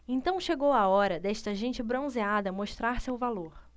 então chegou a hora desta gente bronzeada mostrar seu valor